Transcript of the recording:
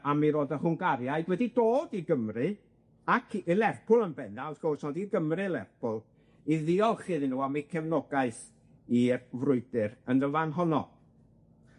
a mi ro'dd y Hwngariaid wedi dod i Gymru ac i Lerpwl yn benna wrth gwrs ond i Gymru a Lerpwl i ddiolch iddyn nw am eu cefnogaeth i'r frwydyr yn y fan honno.